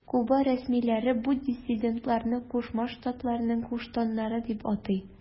Куба рәсмиләре бу диссидентларны Кушма Штатларның куштаннары дип атый.